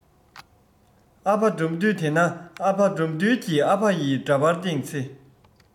ཨ ཕ དགྲ འདུལ དེ ན ཨ ཕ དགྲ འདུལ གྱི ཨ ཕ ཡི འདྲ པར སྟེང ཚེ